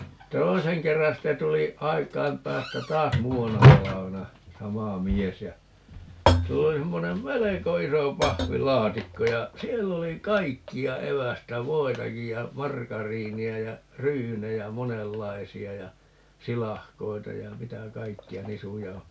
toisen kerran sitten tuli aikojen päästä taas muutamana talvena sama mies ja sillä oli semmoinen melko iso pahvilaatikko ja siellä oli kaikkea evästä voitakin ja margariinia ja ryynejä monenlaisia ja silakoita ja mitä kaikkea -